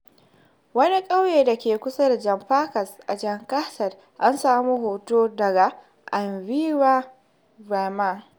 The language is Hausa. Wani ƙauye da ke kusa da Jamshedpur a Jharkhand. An samo hoto daga Anumeha Verma